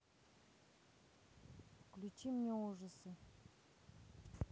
включи мне ужасы